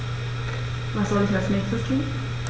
Was soll ich als Nächstes tun?